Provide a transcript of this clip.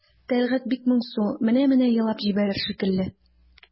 Тәлгать бик моңсу, менә-менә елап җибәрер шикелле.